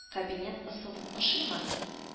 Кабинет ысылу ошыймы